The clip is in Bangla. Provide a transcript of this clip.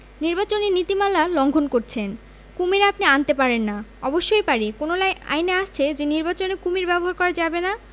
নিবাচনী নীতিমালা লংঘন করছেন কুমীর আপনি আনতে পারেন না অবশ্যই পারি কোন আইনে আছে যে নির্বাচনে কুমীর ব্যবহার করা যাবে না